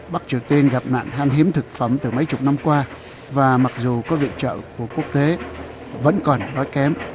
bắc triều tiên gặp nạn khan hiếm thực phẩm từ mấy chục năm qua và mặc dù có viện trợ của quốc tế vẫn còn đói kém